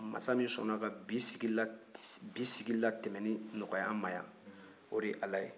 masa min sɔnna ka bi sigi latɛmɛnni nɔgɔya an ma o de ye ala ye